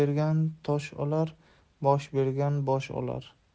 olar bosh bergan bosh olar